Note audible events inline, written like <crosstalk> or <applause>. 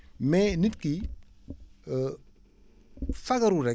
mais nit ki <noise> <hesitation> fagarul rek